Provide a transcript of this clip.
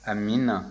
amiina